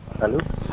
allo